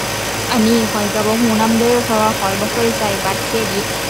อันนี้ข้อยก็บ่ก็นำเด้อ เพราะว่าข้อยบ่เคยก็บัตรเครดิต